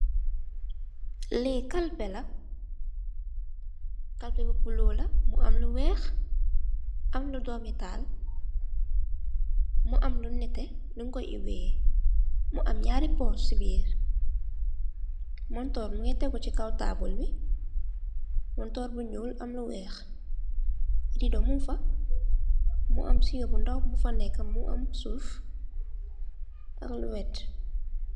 Lee kalpeh la kalpeh bu bulo la mu am lu weex am lu dome taal mu am lu neteh lunkuobewe mu am nyari puss se birr munturr muge tegu se kaw taable be munturr bu nuul am lu weex redou mugfa mu am sewo bu ndaw bufa neka mu am suuf ak lu werte.